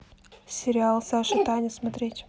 сериал саша таня смотреть